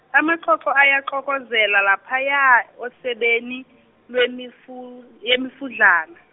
amaxoxo ayaxokozela laphaya, osebeni, lwemifu- yemufudlana.